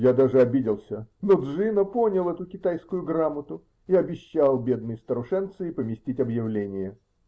Я даже обиделся, но Джино понял эту китайскую грамоту и обещал бедной старушенции поместить объявление.